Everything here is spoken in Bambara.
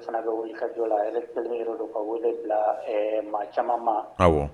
O fana bɛ ka jɔ la a yɛrɛ balima yɔrɔ don ka wele bila maa caman ma